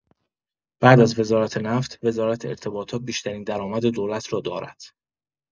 بعد از وزارت نفت، وزارت ارتباطات بیشترین درآمد دولت را دارد.